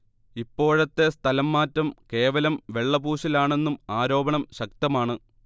ഇപ്പോഴത്തെ സ്ഥലം മാറ്റം കേവലം വെള്ളപൂശലാണെന്നും ആരോപണം ശക്തമാണ്